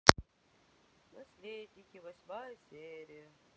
наследники восьмая серия